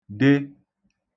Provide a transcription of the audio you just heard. de